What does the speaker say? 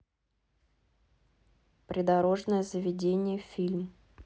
придорожное заведение фильм